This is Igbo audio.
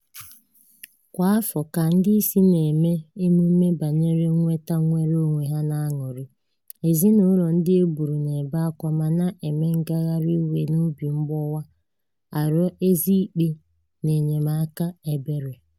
Kwa afọ, ka ndị isi na-eme emume banyere nnweta nnwereonwe ha n'aṅụrị, ezinụlọ ndị e gburu na-ebe akwa ma na-eme ngagharị iwe n'obi mgbawa arịọ eziikpe na enyemaka ebere.